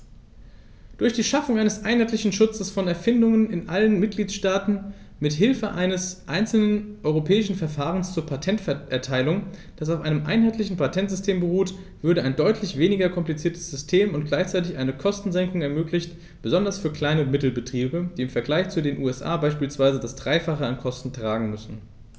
Durch die Schaffung eines einheitlichen Schutzes von Erfindungen in allen Mitgliedstaaten mit Hilfe eines einzelnen europäischen Verfahrens zur Patenterteilung, das auf einem einheitlichen Patentsystem beruht, würde ein deutlich weniger kompliziertes System und gleichzeitig eine Kostensenkung ermöglicht, besonders für Klein- und Mittelbetriebe, die im Vergleich zu den USA beispielsweise das dreifache an Kosten tragen müssen.